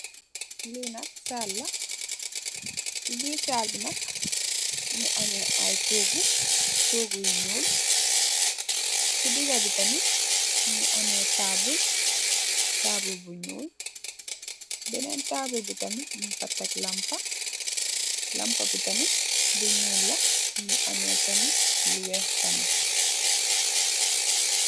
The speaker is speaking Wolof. Lee nak sall la se birr sall be nak muge ameh aye toogu toogu yu nuul se dagabe tamin muge ameh taabul taabul bu nuul se benen taabul be tamin nugfa tek lampa lampa be tamin bu nuul la muge ameh tamin lu weex tamin.